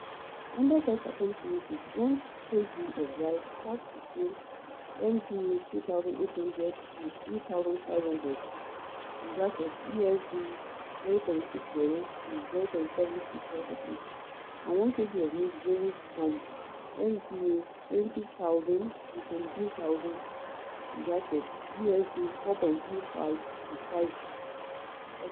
Under such circumstances, 1 kg of rice costs between MGA 2,800 to 3,500 (USD 0.60 to 0.76), and 1 kg of meat varies from MGA 20,000 to 23,000 ( USD 4.35 to 5).